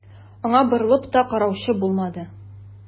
Аңа борылып та караучы булмады.